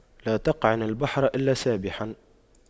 لا تقعن البحر إلا سابحا